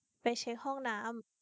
ไปเช็คห้องน้ำ